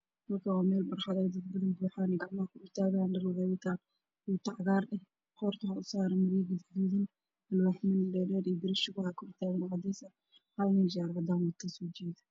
Halkaan waa meel barxad ah waxaa joogo dad badan oo gacmaha kor u taagayo, dhar waxay wataan tuute cagaar ah qoorta waxaa u saaran maro gaduudan, alwaaxyo iyo birar shubaa kor ka taagtaagan oo cadeys ah, hal nin shaar cadaan wato ayaa soo jeedo.